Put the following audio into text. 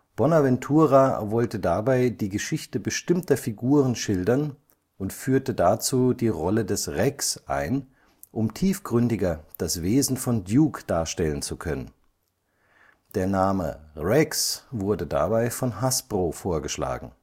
Bonaventura wollte dabei die Geschichte bestimmter Figuren schildern und führte dazu die Rolle des Rex ein, um tiefgründiger das Wesen von Duke darstellen zu können. Der Name Rex wurde dabei von Hasbro vorgeschlagen